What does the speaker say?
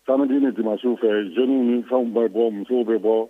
Sandi ni jumɛnman su fɛ zninw ni fɛnw bɛ bɔ musow bɛ bɔ